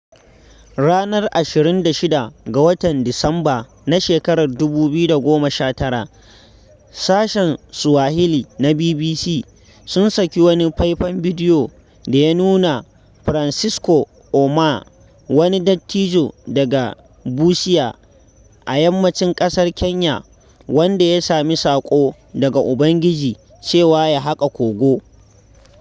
Ranar 26 ga watan Disamba na shekarar 2019, sashen Swahili na BBC sun saki wani faifan bidiyo da ya nuna Francisco Ouma, wani dattijo daga Busia a yammacin ƙasar Kenya, wanda ya sami saƙo daga ubangiji cewa ya haƙa kogo.